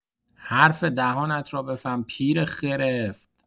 حرف دهانت را بفهم پیر خرفت.